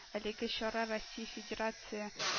Әлеге чара - россия федерация